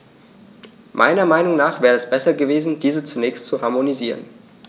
Meiner Meinung nach wäre es besser gewesen, diese zunächst zu harmonisieren.